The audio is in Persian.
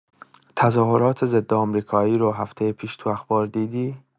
تظاهرات ضدآمریکایی رو هفته پیش تو اخبار دیدی؟